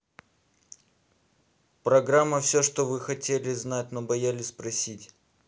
программа все что вы хотели знать но боялись спросить